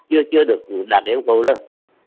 chưa chưa được đạt yêu cầu đâu